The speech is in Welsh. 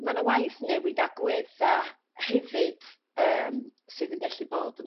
ma' 'na waith newid agwedda' hefyd yym sydd yn gallu bod